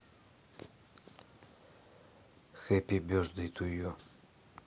хэппи бездэй ту ю